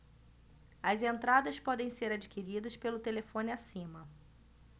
as entradas podem ser adquiridas pelo telefone acima